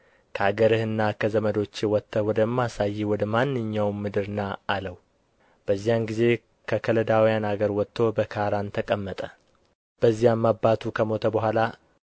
ከአገርህና ከዘመዶችህም ወጥተህ ወደማሳይህ ወደ ማንኛውም ምድር ና አለው በዚያን ጊዜ ከከለዳውያን አገር ወጥቶ በካራን ተቀመጠ ከዚያም አባቱ ከሞተ በኋላ